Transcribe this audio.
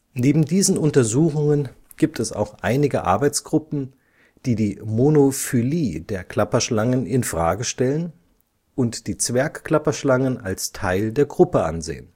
Neben diesen Untersuchungen gibt es auch einige Arbeitsgruppen, die die Monophylie der Klapperschlangen in Frage stellen und die Zwergklapperschlangen als Teil der Gruppe ansehen